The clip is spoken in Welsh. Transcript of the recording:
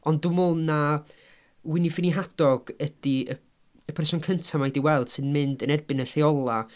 Ond dwi'n meddwl 'na Wini Ffadog Hadog ydy y y person cynta mae hi 'di weld sy'n mynd yn erbyn y rheolau...